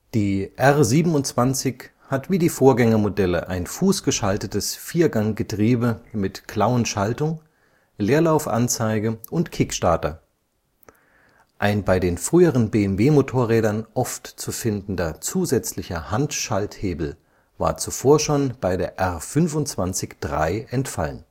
Die R 27 hat wie die Vorgängermodelle ein fußgeschaltetes Vierganggetriebe mit Klauenschaltung, Leerlaufanzeige und Kickstarter. Ein bei den früheren BMW-Motorrädern oft zu findender zusätzlicher Handschalthebel war zuvor schon bei der R 25/3 entfallen